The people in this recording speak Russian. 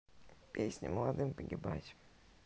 песня молодым погибать